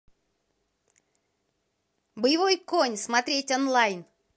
боевой конь смотреть онлайн